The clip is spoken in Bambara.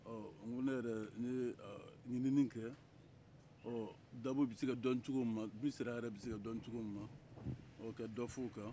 ɔ n ko ne yɛrɛ n ye ɲininni kɛ ɔ dabɔ bɛ se ka dɔn cogo min na missira yɛrɛ bɛ se ka dɔn cogo min na ɔ ka dɔ fɔ o kan